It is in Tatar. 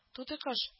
Тутый кош